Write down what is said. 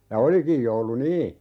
ja olikin joulu niin